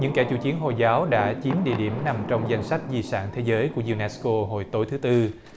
những kẻ chủ chiến hồi giáo đã chiếm địa điểm nằm trong danh sách di sản thế giới của iu nét cô hồi tối thứ tư